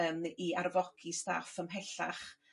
yn... I arfogi staff ymhellach